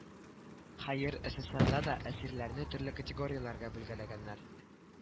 Хәер сссрда да әсирләрне төрле категорияләргә бүлгәләгәннәр